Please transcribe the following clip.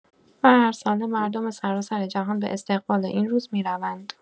و هر ساله مردم سراسر جهان به استقبال این روز می‌روند.